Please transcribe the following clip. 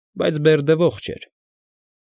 Բայց Բերդը ողջ էր։